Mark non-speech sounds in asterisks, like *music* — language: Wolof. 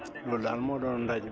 *smacks lips* loolu daal moo doonoon ndaje mi